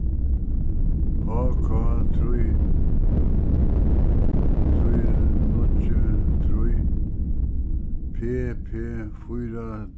h k trý trý níggju trý p p fýra